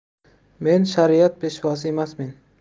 men shariat peshvosi emasmen